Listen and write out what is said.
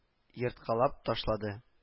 Ерткалан ташлады